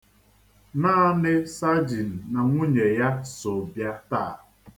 Naanị sajin na nwunye ya so bịa taa.